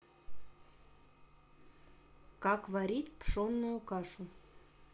как варить пшенную кашу